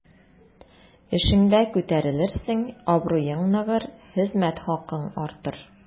Эшеңдә күтәрелерсең, абруең ныгыр, хезмәт хакың артыр.